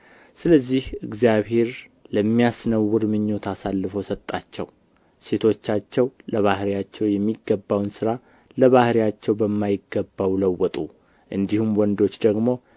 ስለዚህ እግዚአብሔር ለሚያስነውር ምኞት አሳልፎ ሰጣቸው ሴቶቻቸውም ለባሕርያቸው የሚገባውን ሥራ ለባሕርያቸው በማይገባው ለወጡ እንዲሁም ወንዶች ደግሞ